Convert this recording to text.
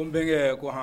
Ko n bɛ ko hɔn